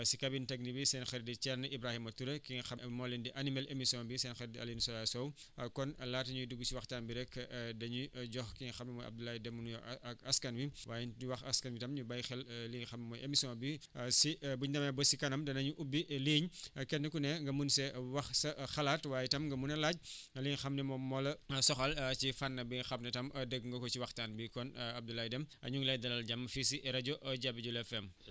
si cabine technique bi seen xarit di Thierno Ibrahima Toure ki nga xam moo leen di animé émission bi seen xarit di Alioune Souaré Sow kon laata ñuy dugg si waxtaan bi rek dañuy jox ki nga xam ne mooy Abdoulaye Deme mu nuyoo ak askan wi waaye di wax askan wi i tam ñu bàyyi xel li nga xam mooy émission bi si bu ñu demee ba si kanam danañ ubbi ligne kenn ku ne nga mun see wax sa xalaat waaye i tam nga mën a laaj li nga xam ne moom moo la soxal ci fànn bi nga xam ne i tam dégg nga ko si waxtaan bi kon Abdoulaye Deme ñu ngi lay dalal jàmm fii si rajo Jabi Jula FM